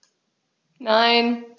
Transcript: Nein.